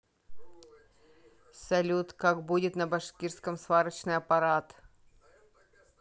салют как будет на башкирском сварочный аппарат